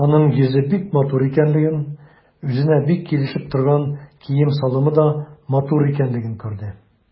Аның йөзе бик матур икәнлеген, үзенә бик килешеп торган кием-салымы да матур икәнлеген күрде.